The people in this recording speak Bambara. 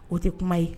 O te kuma ye